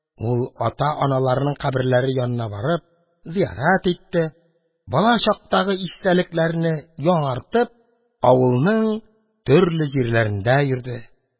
Ул ата-аналарының каберләре янына барып зиярәт итте, бала чактагы истәлекләрне яңартып, авылның төрле җирләрендә йөрде.